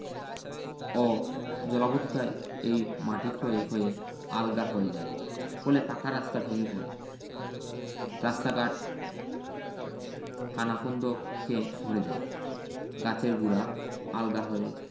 ও জলাবদ্ধতায় এই মাটি ক্ষয়ে ক্ষয়ে আলগা হয়ে যায় ফলে পাকা রাস্তা ভেঙ্গে পড়ে রাস্তাঘাট খানাখন্দকে ভরে যায় গাছের গোড়া আলগা হয়ে